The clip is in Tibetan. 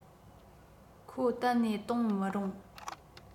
ཁོ གཏན ནས གཏོང མི རུང